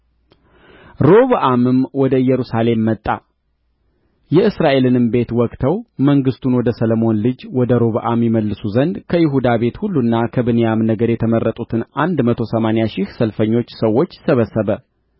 ሮብዓምም ወደ ኢየሩሳሌም መጣ የእስራኤልንም ቤት ወግተው መንግሥቱን ወደ ሰሎሞን ልጅ ወደ ሮብዓም ይመልሱ ዘንድ ከይሁዳ ቤት ሁሉና ከብንያም ነገድ የተመረጡትን አንድ መቶ ሰማንያ ሺህ ሰልፈኞች ሰዎች ሰበሰበ